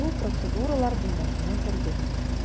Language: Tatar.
Ул процедуралар бүлмәсенә керде.